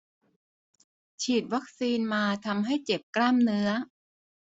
ฉีดวัคซีนมาทำให้เจ็บกล้ามเนื้อ